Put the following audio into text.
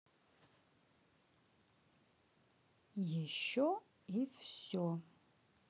еще и все